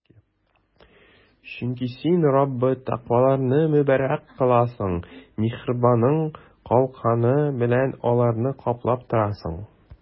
Чөнки Син, Раббы, тәкъваларны мөбарәк кыласың, миһербаның калканы белән аларны каплап торасың.